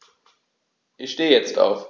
Ich stehe jetzt auf.